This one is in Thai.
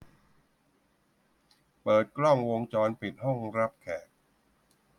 เปิดกล้องวงจรปิดห้องรับแขก